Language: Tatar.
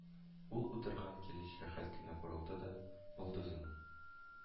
Ул утырган килеш җәһәт кенә борылды да, балдызының